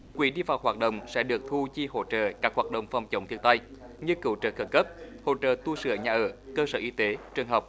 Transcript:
quỹ đi vào hoạt động sẽ được thu chi hỗ trợ các hoạt động phòng chống thiên tai như cứu trợ khẩn cấp hỗ trợ tu sửa nhà ở cơ sở y tế trường học